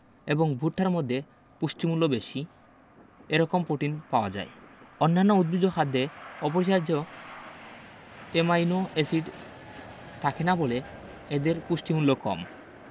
এবং ভুট্টার মধ্যে পুষ্টিমূল্য বেশি এরকম প্রোটিন পাওয়া যায় অন্যান্য উদ্ভিজ্জ খাদ্যে অপরিহার্য অ্যামাইনো এসিড থাকে না বলে এদের পুষ্টিমূল্য কম